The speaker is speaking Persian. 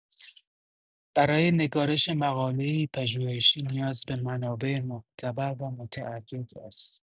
برای نگارش مقاله‌ای پژوهشی نیاز به منابع معتبر و متعدد است.